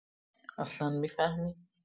اصلا می‌فهمی؟